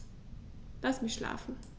Lass mich schlafen